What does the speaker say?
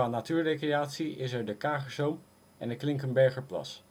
natuurrecreatie is er de Kagerzoom en de Klinkenbergerplas